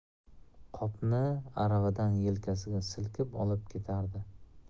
qopni aravadan yelkasiga silkib olib ketardi